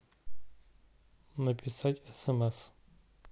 написать смс